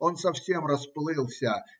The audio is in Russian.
Он совсем расплылся.